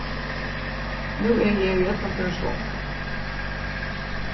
nú eri eg í øllum førum svong